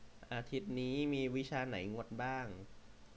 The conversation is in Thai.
อาทิตย์นี้มีวิชาไหนงดบ้าง